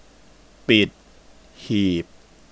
ปิดหีบ